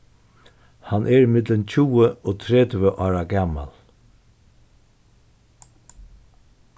hann er millum tjúgu og tretivu ára gamal